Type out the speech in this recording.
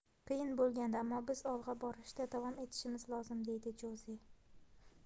qiyin bo'lgandi ammo biz olg'a borishda davom etishimiz lozim deydi joze